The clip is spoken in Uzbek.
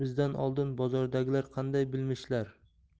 bizdan oldin bo zordagilar qanday bilmishlar